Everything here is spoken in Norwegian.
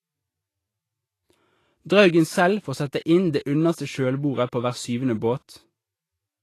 Draugen selv får sette inn det underste kjølbordet på hver syvende båt.